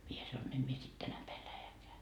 minä sanoin en minä sitten tänä päivänä lähdekään